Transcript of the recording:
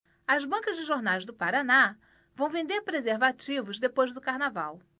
as bancas de jornais do paraná vão vender preservativos depois do carnaval